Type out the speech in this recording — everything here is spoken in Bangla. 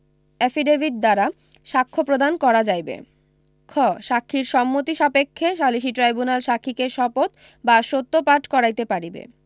এফিডেভিট দ্বারা সাখ্য প্রদান করা যাইবে খ সাক্ষীর সম্মতি সাপেক্ষে সালিসী ট্রাইব্যুনাল সাক্ষীকে শপথ বা সত্য পাঠ করাইতে পারিবে